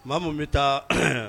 Maa mun bɛ taa